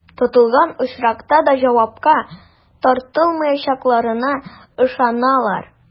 Тотылган очракта да җавапка тартылмаячакларына ышаналар.